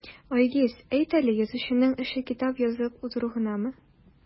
Айгиз, әйт әле, язучының эше китап язып утыру гынамы?